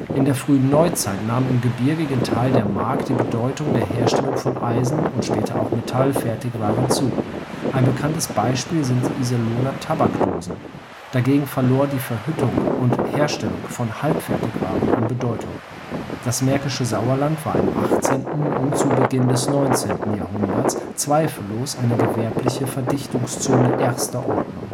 In der frühen Neuzeit nahm im gebirgigen Teil der Mark die Bedeutung der Herstellung von Eisen - und später auch Metallfertigwaren zu. Ein bekanntes Beispiel sind die Iserlohner Tabakdosen. Dagegen verlor die Verhüttung und Herstellung von Halbfertigwaren an Bedeutung. Das märkische Sauerland war im 18. und zu Beginn des 19. Jahrhunderts zweifellos eine gewerbliche Verdichtungszone erster Ordnung